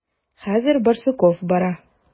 Хәзер Барсуков бара.